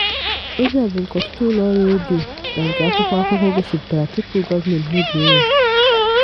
Ozi a bụ nke ọtụtụ ụlọ ọrụ redio na nke akwụkwọ akụkọ gosipụtara tupu gọọmenti mebie ya.